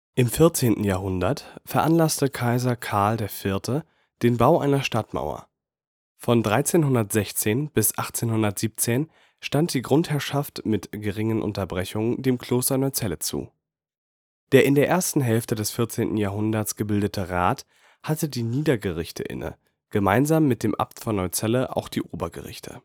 Im 14. Jahrhundert veranlasste Kaiser Karl IV. den Bau einer Stadtmauer. Von 1316 bis 1817 stand die Grundherrschaft mit geringen Unterbrechungen dem Kloster Neuzelle zu. Der in der ersten Hälfte des 14. Jahrhunderts gebildete Rat hatte die Niedergerichte inne, gemeinsam mit dem Abt von Neuzelle auch die Obergerichte